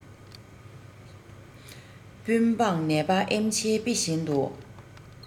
དཔོན འབངས ནད པ ཨེམ ཆིའི དཔེ བཞིན དུ